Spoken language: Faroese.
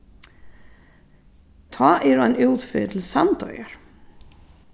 tá er ein útferð til sandoyar